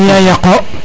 o yaya yaqo